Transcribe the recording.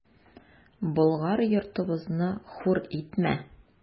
Болгар йортыбызны хур итмә!